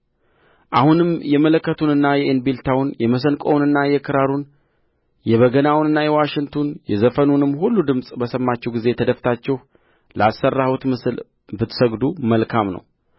አሁንም የመለከቱንና የእንቢልታውን የመሰንቆውንና የክራሩን የበገናውንና የዋሽንቱን የዘፈኑንም ሁሉ ድምፅ በሰማችሁ ጊዜ ተደፍታችሁ ላሠራሁት ምስል ብትሰግዱ መልካም ነው